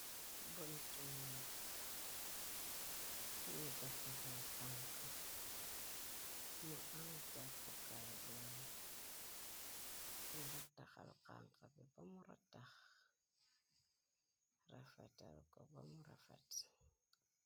Buntu nekk buñu defar xanka mu am jàppukaay bu wañ ñu rottaxal xank bi bamu rottax rafatal ko bamu rafet.